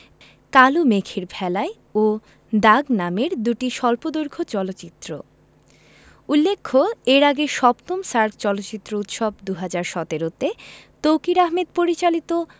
কালো মেঘের ভেলায় ও দাগ নামের দুটি স্বল্পদৈর্ঘ চলচ্চিত্র উল্লেখ্য এর আগে ৭ম সার্ক চলচ্চিত্র উৎসব ২০১৭ তে তৌকীর আহমেদ পরিচালিত